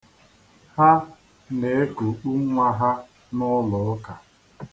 Ha na-ekukpu nnwa ha n'ụlụuka.